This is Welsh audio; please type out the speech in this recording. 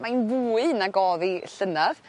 mae'n fwy nag o'dd 'i llynadd